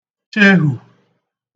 chehù